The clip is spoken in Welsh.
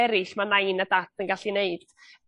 eryll ma' nain a dat yn gallu neud.